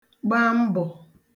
gba mbọ̀